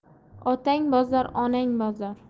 otang bozor onang bozor